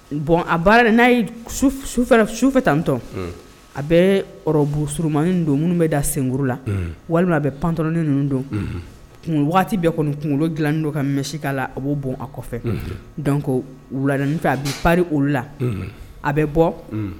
Bɔn a n'a ye sufɛ tantɔn a bɛbu surumanin don minnu bɛ da senkuru la walima a bɛ panrin ninnu don kun waati bɛ kɔni kunkolo dilan don ka misi k ka la a b' bon a kɔfɛ dɔn ko wula fɛ a bɛri olu la a bɛ bɔ